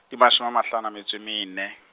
ke mashome a mahlano e metso e mene.